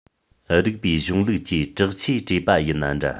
རིགས པའི གཞུང ལུགས ཀྱིས དྲག ཆས སྤྲས པ ཡིན ན འདྲ